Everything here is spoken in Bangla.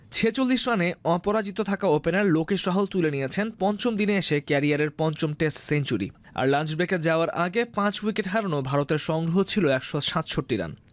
৪৬ রানে অপরাজিত থাকা ওপেনার লোকেশ রহল তুলে নিয়েছেন পঞ্চম দিনে সে ক্যারিয়ারের পঞ্চম টেস্ট সেঞ্চুরি আর লাঞ্চ ব্রেকে যাওয়ার আগে ৫ উইকেট হারানো ভারতের সংগ্রহ ছিল ১৬৭ রান